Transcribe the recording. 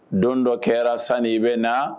Don dɔ kɛra sani i be na